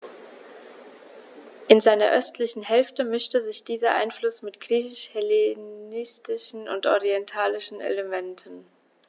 In seiner östlichen Hälfte mischte sich dieser Einfluss mit griechisch-hellenistischen und orientalischen Elementen.